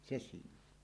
se siinä on